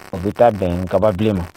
O bɛ taa bɛn kaba bilen ma